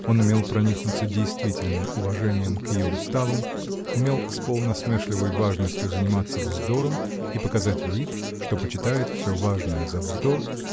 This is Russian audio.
он умел проникнуться действительным уважением к ее уставам, умел с полунасмешливой важностью заниматься вздором и показать вид, что почитает все важное за вздор